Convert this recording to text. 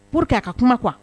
Pur que a ka kuma kuwa